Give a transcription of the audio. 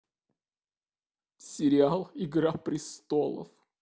сериал игра престолов